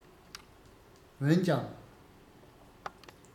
འོན ཀྱང